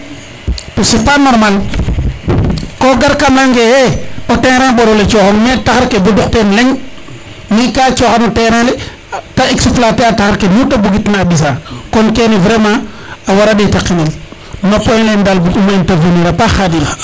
to c' est pas normale ko gar ka im ley nge e o terrain mboro le coxong mais taxar ke bo duk ten leŋ mais ka coxan o terrain le te exploiter a taxar ke nute bugit na a ɓisa kon kene vraiment a wara ndeta qinel no point lene dal bug umo intervenir a paax Khadim